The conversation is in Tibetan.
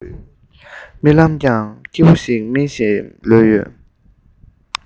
རྨི ལམ ཡང སྐྱིད པོ ཞིག རྨི བཞིན ལོས ཡོད